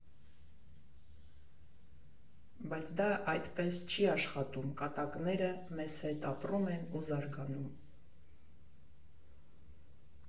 Բայց դա այդպես չի աշխատում, կատակները մեզ հետ ապրում են ու զարգանում։